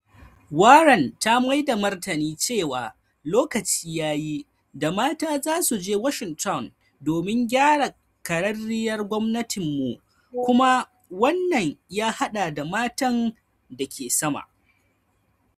Warren ta mai da martani cewa lokaci yayi “da mata za su je Washington domin gyara karrariya gwamnatinmu kuma wannan ya hada da matan dake sama,"